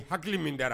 Hakili min da